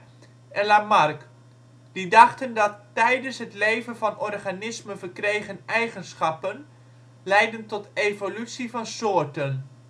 en Lamarck, die dachten dat tijdens het leven van organismen verkregen eigenschappen leiden tot evolutie van soorten